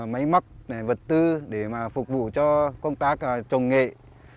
máy móc vật tư để mà phục vụ cho công tác ờ trồng nghệ